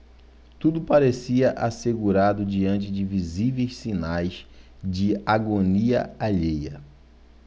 tudo parecia assegurado diante de visíveis sinais de agonia alheia